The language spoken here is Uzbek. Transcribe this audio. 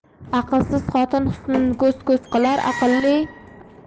aqlsiz xotin husnini ko'z